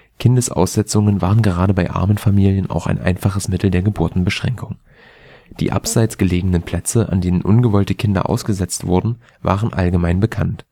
Kindsaussetzungen waren gerade bei armen Familien auch ein einfaches Mittel der Geburtenbeschränkung. Die abseits gelegenen Plätze, an denen ungewollte Kinder ausgesetzt wurden, waren allgemein bekannt